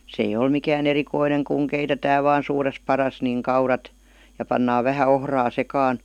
se ei ole mikään erikoinen kun keitetään vain - suuressa padassa niin kaurat ja pannaan vähän ohraa sekaan